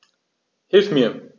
Hilf mir!